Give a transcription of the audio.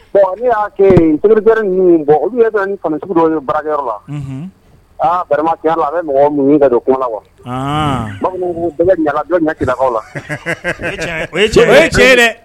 Bon y'a kɛ ninnu bɔn olu kanu sugu dɔ ye barayɔrɔ la aa balimakɛya la bɛ mɔgɔ ka don kuma la wa bamananw bɛɛ ɲagajɔ ɲɛlakaw la cɛ dɛ